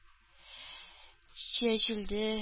Чәчелде